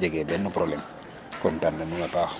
jegee been probleme content na nuun a paax.